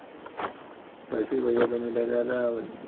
спасибо я бы не догадалась